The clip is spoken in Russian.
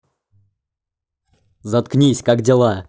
заткнись как дела